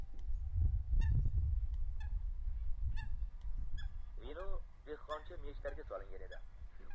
vino dehqoncha meshlarga solingan edi